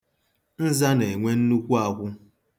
Nza na-enwe nnukwu akwụ.